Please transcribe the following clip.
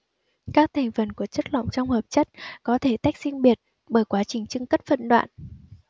các thành phần của chất lỏng trong hợp chất có thể tách riêng biệt bởi quá trình chưng cất phân đoạn